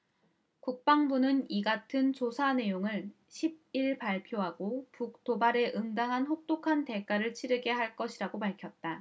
국방부는 이 같은 조사내용을 십 일 발표하고 북 도발에 응당한 혹독한 대가를 치르게 할 것이라고 밝혔다